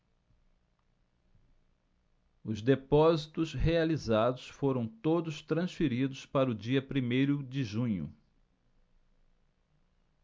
os depósitos realizados foram todos transferidos para o dia primeiro de junho